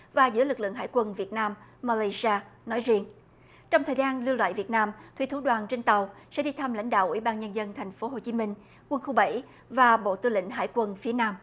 và giữa lực lượng hải quân việt nam ma lay si a nói riêng trong thời gian lưu lại việt nam thủy thủ đoàn trên tàu sẽ đi thăm lãnh đạo ủy ban nhân dân thành phố hồ chí minh quân khu bảy và bộ tư lệnh hải quân phía nam